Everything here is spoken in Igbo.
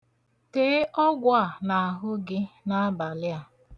Tee ọgwụ a n'ahụ gị n'abalị a.